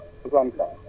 50